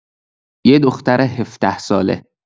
یه دختر هفده‌ساله